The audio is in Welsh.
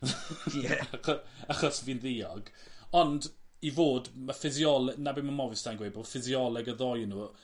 Ie achos fi'n ddiog ond i fod ma' ffisiol- 'na beth ma' Movistar yn gweud bo' ffisioleg y ddoi o n'w